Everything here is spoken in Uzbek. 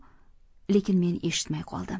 lekin men eshitmay qoldim